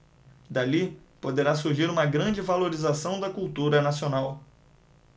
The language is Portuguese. dali poderá surgir uma grande valorização da cultura nacional